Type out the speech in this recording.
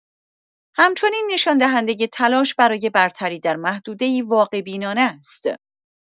همچنین نشان‌دهنده تلاش برای برتری در محدوده‌ای واقع‌بینانه است.